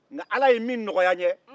nka ala ye min nɔgɔya n ye